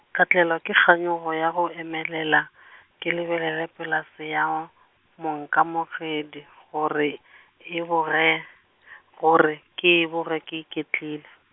ka tlelwa ke kganyogo ya go emelela , ke lebelele polase ya, monkamogedi gore e boge , gore, ke e boge ke iketlile.